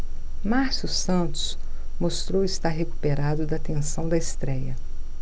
márcio santos mostrou estar recuperado da tensão da estréia